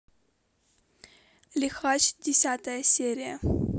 лихач десятая серия